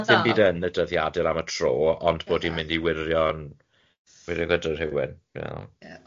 Ie, sdi dim byd yn y dyddiadur am y tro, ond bod hi'n mynd i wirio'n wirio gyda rhywun. ia.